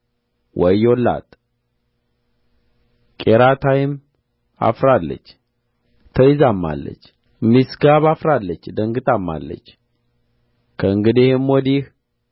ወዮላት ቂርያታይም አፍራለች ተይዛማለች ሚሥጋብ አፍራለች ደንግጣማለች ከእንግዲህ ወዲህ